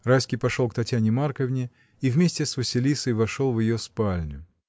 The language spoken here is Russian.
Райский пошел к Татьяне Марковне и вместе с Василисой вошел в ее спальню.